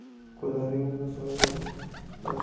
qo'llaringizni sovun va suv